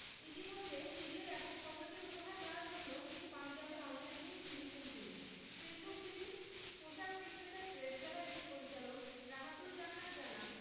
ইতিমধ্যে নিজের এবং স্বজনদের উপহার দেওয়ার জন্য কিছু পাঞ্জাবি অনলাইন থেকে কিনেছেন তিনি ফেসবুকভিত্তিক পোশাক বিক্রেতা ড্রেস গ্যালারির পরিচালকরাহাতুল জান্নাত জানান